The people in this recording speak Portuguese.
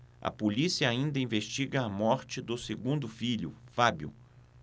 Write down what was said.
a polícia ainda investiga a morte do segundo filho fábio